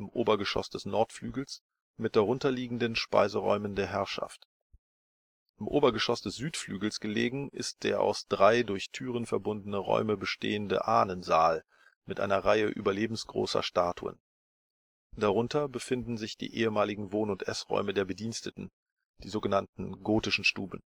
Obergeschoss des Nordflügels mit darunter liegenden Speiseräumen der Herrschaft. Im Obergeschoss des Südflügels gelegen ist der aus drei durch Türen verbundenen Räumen bestehende „ Ahnensaal “mit einer Reihe überlebensgroßer Statuen. Darunter befinden sich die ehemaligen Wohn - und Essräume der Bediensteten, die sogenannten „ Gotischen Stuben